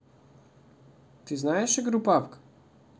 ты знаешь игру пабг